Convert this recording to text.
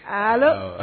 Aalo